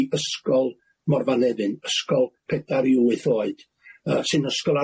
i ysgol Morfa Nefyn ysgol pedair i wyth oed yy sy'n ysgol